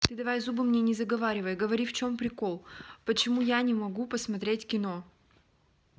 ты давай зубы мне не заговаривай говори в чем прикол почему я не могу посмотреть кино